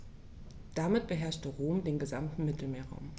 Damit beherrschte Rom den gesamten Mittelmeerraum.